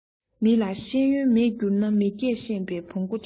མི ལ ཤེས ཡོན མེད འགྱུར ན མི སྐད ཤེས པའི བོང བུ འདྲ